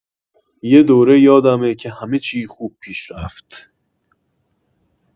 یه دوره یادمه که همه‌چی خوب پیش رفت.